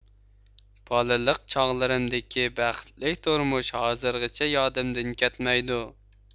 بالىلىق چاغلىرىمدىكى بەختلىك تۇرمۇش ھازىرغىچە يادىمدىن كەتمەيدۇ